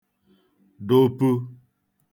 dụpu